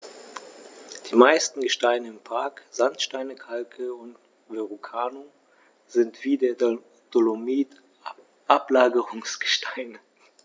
Die meisten Gesteine im Park – Sandsteine, Kalke und Verrucano – sind wie der Dolomit Ablagerungsgesteine.